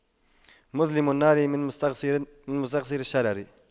معظم النار من مستصغر الشرر